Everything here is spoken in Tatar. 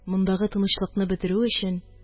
Мондагы тынычлыкны бетерүе өчен